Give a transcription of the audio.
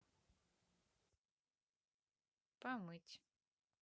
помыть